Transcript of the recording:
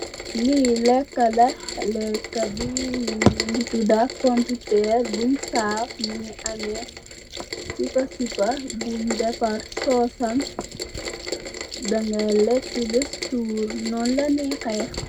Lii lekka LA lekka bi mugi touda pomputerr bunj saf mugi ameh sipa sipa bunj defar sos sam dagai lekka beh sorr non la nehe.